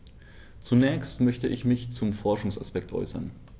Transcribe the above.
Zunächst möchte ich mich zum Forschungsaspekt äußern.